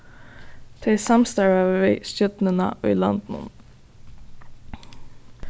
tey samstarvaðu við stjórnina í landinum